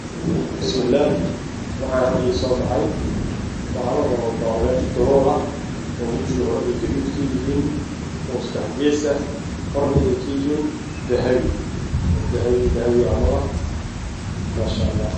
Waa laba dhagood oo dahabi ah oo gudad iyo jaalle isugu jiraan oo yaalaan meel caddaan ah